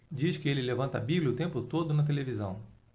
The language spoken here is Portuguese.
diz que ele levanta a bíblia o tempo todo na televisão